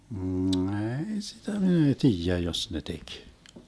ei sitä minä ei tiedä jos ne teki